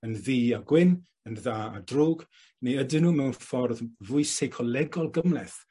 Yn ddu a gwyn, yn dda a drwg, neu ydyn nw mewn ffordd fwy seicolegol gymleth